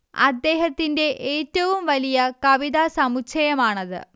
അദ്ദേഹത്തിന്റെ ഏറ്റവും വലിയ കവിതാ സമുച്ചയമാണത്